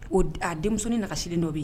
O a denmusoni nagasilen dɔ bɛ yen